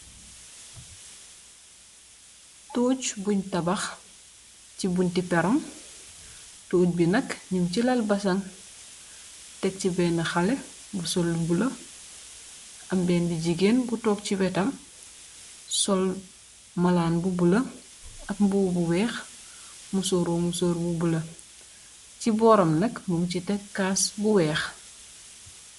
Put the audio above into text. Tooj buñ tabax ci buñti perong toog bi nak nyun ci laal basan teg ci benn xale bu sol lu bulo ambendi jigéen bu toog ci wetam sol malaan bu bula ai mbobu bu weex mu musurro musooro bu bulo ci booram nak mun ci tek kaas bu weex.